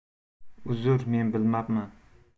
uzr men bilmabman